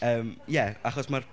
Yym, ie achos mae'r...